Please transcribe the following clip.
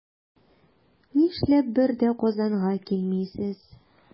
Нишләп бер дә Казанга килмисез?